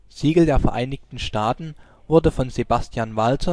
Zionist Occupied Government